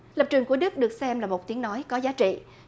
lập trường của đức được xem là một tiếng nói có giá trị